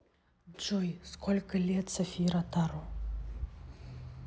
джой сколько лет софии ротару